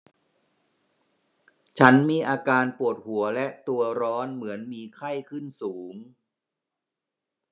ฉันมีอาการปวดหัวและตัวร้อนเหมือนมีไข้ขึ้นสูง